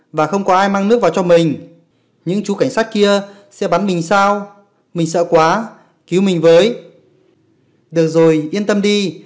và không có ai mang nước vào cho mình những chú cảnh sát kia sẽ bắn mình sao mình sợ quá cứu mình với được rồi yên tâm đi